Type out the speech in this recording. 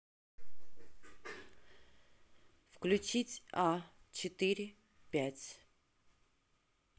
включить а четыре пять